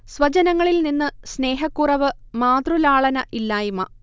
സ്വജനങ്ങളിൽ നിന്നു സ്നേഹക്കുറവ്, മാതൃലാളന ഇല്ലായ്മ